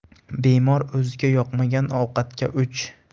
bemor o'ziga yoqmagan ovqatga o'ch